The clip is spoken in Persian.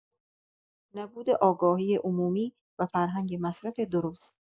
نبود آگاهی عمومی و فرهنگ مصرف درست